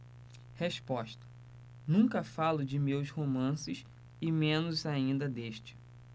resposta nunca falo de meus romances e menos ainda deste